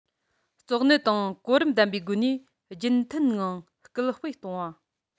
གཙོ གནད དང གོ རིམ ལྡན པའི སྒོ ནས རྒྱུན མཐུད ངང སྐུལ སྤེལ གཏོང བ